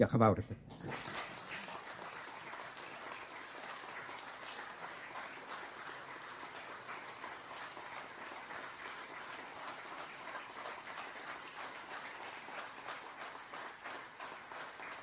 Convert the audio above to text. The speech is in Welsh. Diolch yn fawr i chi.